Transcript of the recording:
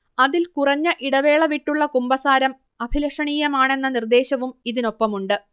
അതിൽ കുറഞ്ഞ ഇടവേളവിട്ടുള്ള കുമ്പസാരം അഭിലഷണീയമാണെന്ന നിർദ്ദേശവും ഇതിനൊപ്പമുണ്ട്